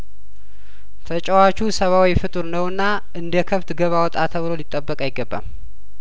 ተጫዋቹ ሰብአዊ ፍጡር ነውና እንደከብት ገባ ወጣ ተብሎ ሊጠበቅ አይገባም